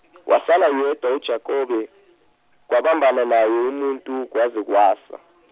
wasala yedwa uJakobe, kwabambana naye umuntu kwaze kwasa.